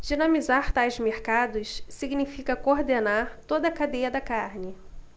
dinamizar tais mercados significa coordenar toda a cadeia da carne